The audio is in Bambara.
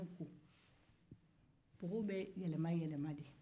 npogo be yɛlɛmayɛlɛma de